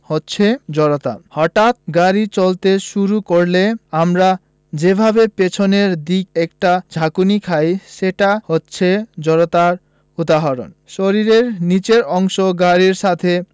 হচ্ছে জড়তা হঠাৎ গাড়ি চলতে শুরু করলে আমরা যেভাবে পেছনের দিকে একটা ঝাঁকুনি খাই সেটা হচ্ছে জড়তার উদাহরণ শরীরের নিচের অংশ গাড়ির সাথে